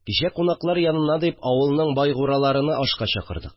Кичә кунаклар янына дип авылның байгураларыны ашка чакырдык